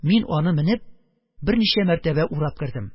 Мин аны менеп берничә мәртәбә урап кердем.